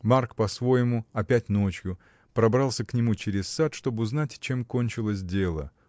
Марк, по-своему, опять ночью, пробрался к нему через сад, чтоб узнать, чем кончилось дело.